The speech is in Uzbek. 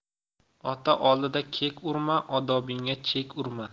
ota oldida kek urma odobingga chek urma